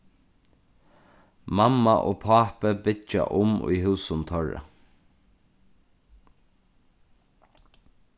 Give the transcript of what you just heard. mamma og pápi byggja um í húsum teirra